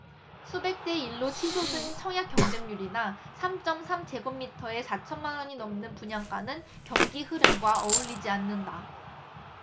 수백 대 일 로 치솟은 청약 경쟁률이나 삼 쩜 삼 제곱미터에 사천 만원이 넘은 분양가는 경기흐름과 어울리지 않는다